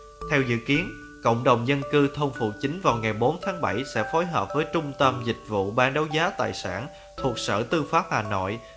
theo dự kiến cộng đồng dân cư thôn phụ chính vào ngày sẽ phối hợp với trung tâm dịch vụ bán đấu giá tài sản thuộc sở tư pháp hà nội